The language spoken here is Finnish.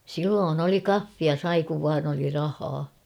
silloin oli kahvia sai kun vain oli rahaa